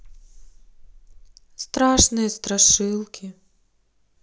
страшные страшилки